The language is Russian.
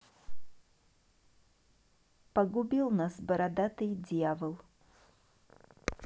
погубил нас бородатый дьявол